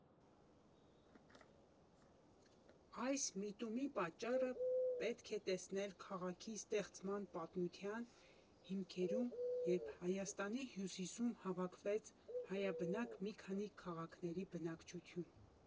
Այս միտումի պատճառը պետք է տեսնել քաղաքի ստեղծման պատմության հիմքերում, երբ Հայաստանի հյուսիսում հավաքվեց հայաբնակ մի քանի քաղաքների բնակչություն։